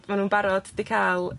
ma' nw'n barod 'di ca'l